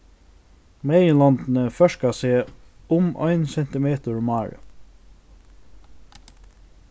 meginlondini førka seg um ein sentimetur um árið